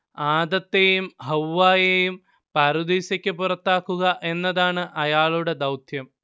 ആദത്തേയും ഹവ്വായേയും പറുദീസയ്ക്ക് പുറത്താക്കുക എന്നതാണ് അയാളുടെ ദൗത്യം